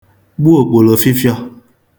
gbu òkpòlòfịfịọ̄